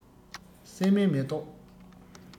སྲན མའི མེ ཏོག